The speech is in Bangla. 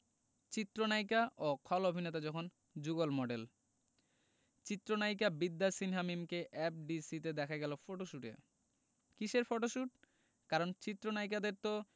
চিত্রনায়িকা ও খল অভিনেতা যখন যুগল মডেল চিত্রনায়িকা বিদ্যা সিনহা মিমকে এফডিসিতে দেখা গেল ফটোশুটে কিসের ফটোশুট কারণ চিত্রনায়িকাদের তো